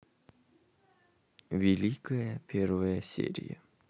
великая первая серия